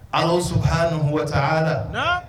Allahou Soubhana wa ta Alaa ;Naamu.